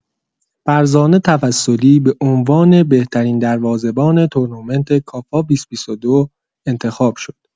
فرزانه توسلی به عنوان بهترین دروازه‌بان تورنمنت کافا ۲۰۲۲ انتخاب شد.